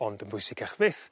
ond yn bwysicach fyth